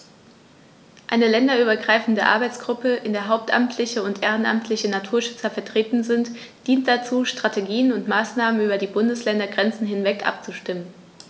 Eine länderübergreifende Arbeitsgruppe, in der hauptamtliche und ehrenamtliche Naturschützer vertreten sind, dient dazu, Strategien und Maßnahmen über die Bundesländergrenzen hinweg abzustimmen.